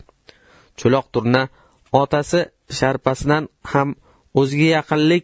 cho'loq turna otasi sharpasidan ham o'ziga yaqinlik